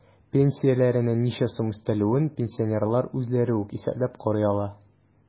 Пенсияләренә ничә сум өстәлүен пенсионерлар үзләре үк исәпләп карый ала.